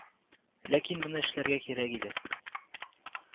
Ләкин моны эшләргә кирәк иде